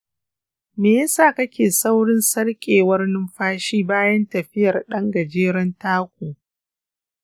me yasa kake saurin sarƙewar numfashi bayan tafiyar ɗan gajeren taku?